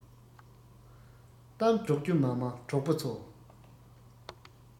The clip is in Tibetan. གཏམ སྒྲོག རྒྱུ མ མང གྲོགས པོ ཚོ